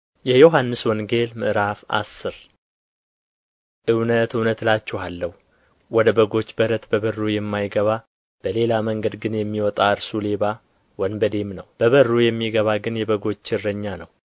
የዮሐንስ ወንጌል ምዕራፍ አስር እውነት እውነት እላችኋለሁ ወደ በጎች በረት በበሩ የማይገባ በሌላ መንገድ ግን የሚወጣ እርሱ ሌባ ወንበዴም ነው በበሩ የሚገባ ግን የበጎች እረኛ ነው